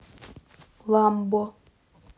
ламбо